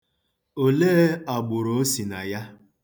Olee agbụrụ o si na ya?